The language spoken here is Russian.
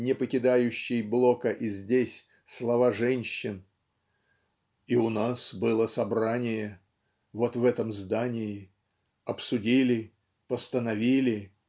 не покидающей Блока и здесь слова женщин "и у нас было собрание. вот в этом здании. обсудили. постановили.